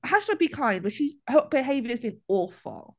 Hashtag be kind, but she's... her behaviour has been awful.